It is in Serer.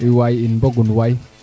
iyo waay in mbogun waay